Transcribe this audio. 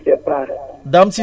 waaw